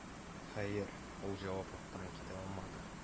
Хәер, ул җаваплылыктан китә алмады: